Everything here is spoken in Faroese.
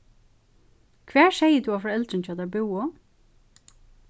hvar segði tú at foreldrini hjá tær búðu